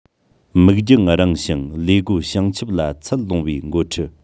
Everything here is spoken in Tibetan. མིག རྒྱང རིང ཞིང ལས སྒོ བྱང ཆུབ ལ ཚད ལོངས པའི འགོ ཁྲིད